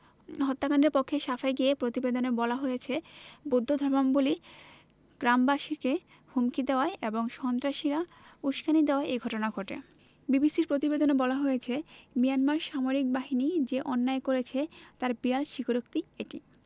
হত্যাকাণ্ডের পক্ষে সাফাই গেয়ে প্রতিবেদনে বলা হয়েছে বৌদ্ধ ধর্মাবলম্বী গ্রামবাসীকে হুমকি দেওয়ায় এবং সন্ত্রাসীরা উসকানি দেওয়ায় এ ঘটনা ঘটে বিবিসির প্রতিবেদনে বলা হয়েছে মিয়ানমার সামরিক বাহিনী যে অন্যায় করেছে তার বিরল স্বীকারোক্তি এটি